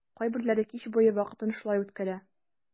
Кайберләре кич буе вакытын шулай үткәрә.